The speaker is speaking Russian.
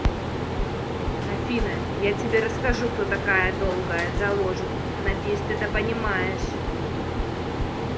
афина я тебе расскажу кто такая долгая заложит надеюсь ты это понимаешь